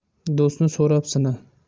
do'stni so'rab sina